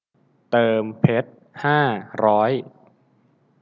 เติมเพชรห้าร้อย